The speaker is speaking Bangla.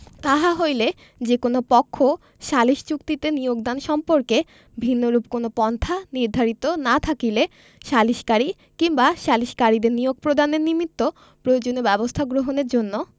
তাহা হইলে যে কোন পক্ষ সালিস চুক্তিতে নিয়োগদান সম্পর্কে ভিন্নরূপ কোন পন্থা নির্ধারিত না থাকিলে সালিসকারী কিংবা সালিসকারীদের নিয়োগ প্রদানের নিমিত্ত প্রয়োজনীয় ব্যবস্থা গ্রহণের জন্য